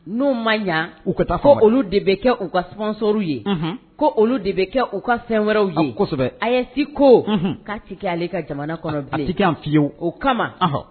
N'u ma ɲɛ u ka taa ko olu de bɛ kɛ u ka ssouru ye ko olu de bɛ kɛ u ka fɛn wɛrɛw yesɛbɛ a ye si ko k'a tigi ale ka jamana kɔnɔ fiyewu o kama